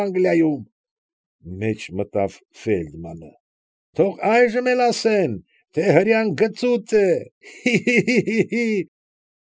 Անգլիայում,֊ մեջ մտավ Ֆեյլդմանը,֊ թող այժմ էլ ասեն, թե հրեան գծուծ է, հի՛, հի՛, հի՛։